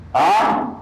An!